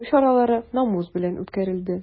Тикшерү чаралары намус белән үткәрелде.